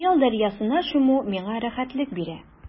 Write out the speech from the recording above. Ләкин хыял дәрьясына чуму миңа рәхәтлек бирә.